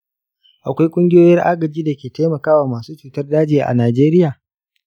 akwai ƙungiyoyin agaji da ke taimaka wa masu cutar daji a najeriya?